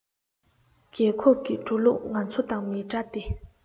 རྒྱལ ཁབ ཀྱི འགྲོ ལུགས ང ཚོ དང མི འདྲ སྟེ